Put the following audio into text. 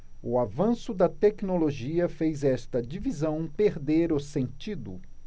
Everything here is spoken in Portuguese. o avanço da tecnologia fez esta divisão perder o sentido